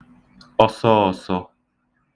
ọsọọ̄sọ̄